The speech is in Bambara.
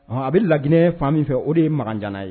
A bɛ laginɛ fa min fɛ o de ye maana ye